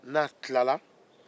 n'a tilala